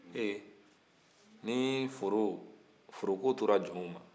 eh nin fɔrɔ fɔrɔ ko tora jɔnw ma